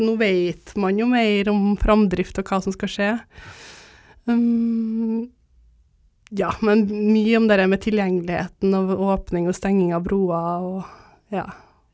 nå veit man jo mer om framdrift og hva som skal skje ja men mye om det derre med tilgjengeligheten og åpning og stenging av broer og ja.